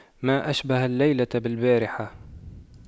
ما أشبه الليلة بالبارحة